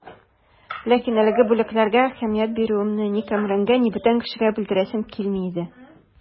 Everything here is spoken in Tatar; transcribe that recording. Ләкин әлеге бүләкләргә әһәмият бирүемне ни Кәмранга, ни бүтән кешегә белдерәсем килми иде.